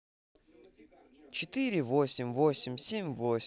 четыре восемь восемь семь восемь